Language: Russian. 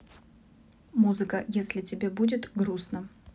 музыка если тебе будет грустно